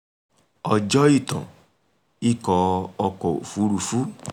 ỌJỌ́ ÌTÀN – Ikọ̀ ọkọ̀ òfuurufú